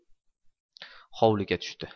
hovliga tushdi